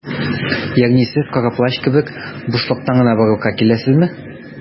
Ягъни сез Кара Плащ кебек - бушлыктан гына барлыкка киләсезме?